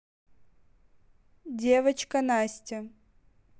девочка настя